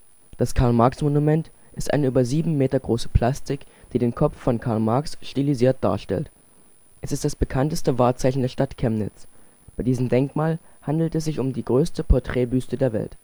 Das Karl-Marx-Monument ist eine über sieben Meter große Plastik, die den Kopf von Karl Marx stilisiert darstellt. Es ist das bekannteste Wahrzeichen der Stadt Chemnitz. Bei diesem Denkmal handelt es sich um die größte Porträtbüste der Welt